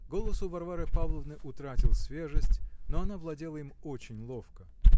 Голос у Варвары Павловны утратил свежесть, но она владела им очень ловко.